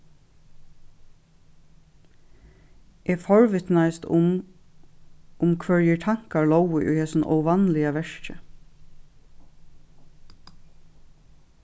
eg forvitnaðist um um hvørjir tankar lógu í hesum óvanliga verki